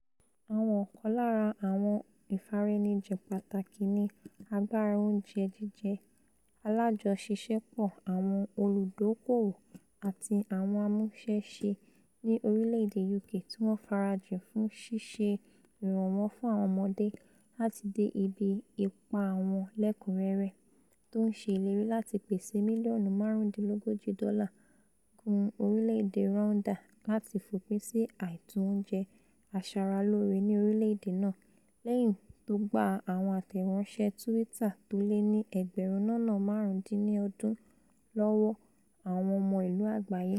Àwọn kan lára àwọn ìfaraẹnijìn pàtàkì ni Agbára Oúnjẹ Jíjẹ̀, aláàjọṣiṣẹ́pọ àwọn olùdóokoòwò àti àwọn amúṣẹ́ṣe ní orílẹ̀-èdè UK tíwọ́n farajìn fún ''ṣiṣe ìrànwọ́ fún àwọn ọmọdé láti de ibi ipá wọn lẹ́ẹ̀kúnrẹ́rẹ́,'' tó ńṣe ìlérí láti pèsè mílíọnù márùndínlógójì dọ́là gún orílẹ̀-èdè Rwanda latí fòpin sí àìtó oúnjẹ aṣaralóore ní orílẹ̀-èdè náà lẹ́yìn tógba àwọn àtẹ̀ránṣẹ́ tuwiti tólé ní ẹgbẹ́rùn lọ́ná máàrún dín ní ọ̀ọ́dún lọ́wọ́ Àwọn Ọmọ Ìlú Àgbáyé.